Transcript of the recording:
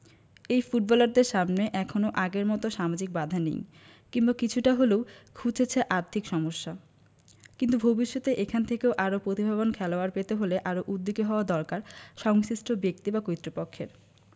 এই ফুটবলারদের সামনে এখনও আগের মতো সামাজিক বাধা নেই কিংবা কিছুটা হলেও ঘুচেছে আর্থিক সমস্যা কিন্তু ভবিষ্যতে এখান থেকে আরও প্রতিভাবান খেলোয়াড় পেতে হলে আরও উদ্যোগী হওয়া দরকার সংশ্লিষ্ট ব্যক্তি বা কর্তৃপক্ষের